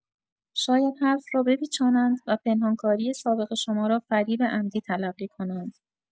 شاید حرف را بپیچانند و پنهان‌کاری سابق شما را فریب عمدی تلقی کنند.